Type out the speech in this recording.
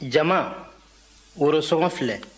jama worosɔngɔ filɛ